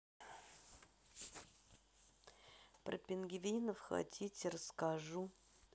про пингвинов хотите расскажу